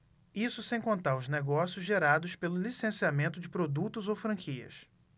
isso sem contar os negócios gerados pelo licenciamento de produtos ou franquias